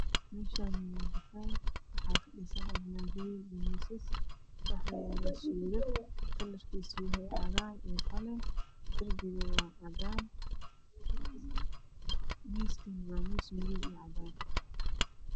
Meeshaani waa tukaan waxaa ka dhisan armaajooyin iyo miisas waxaa yaalo suudad kalrkiisu yahay cagaar iyo qalin derbiga waa cadaan miiskana waa Miis madow iyo cadaan ah